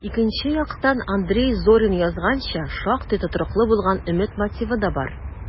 Икенче яктан, Андрей Зорин язганча, шактый тотрыклы булган өмет мотивы да бар: